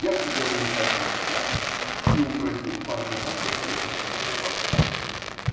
Я сидел у них один час и упросил панну Ванду поехать со мною в Аббацию.